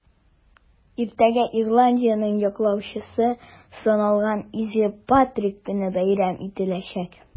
Иртәгә Ирландиянең яклаучысы саналган Изге Патрик көне бәйрәм ителәчәк.